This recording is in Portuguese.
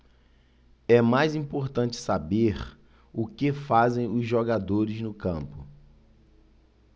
é mais importante saber o que fazem os jogadores no campo